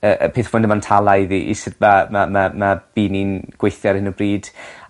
y y peth ffwndamentalaidd i i sut ma' ma' ma' ma' byd ni'n gweithio ar 'yn o bryd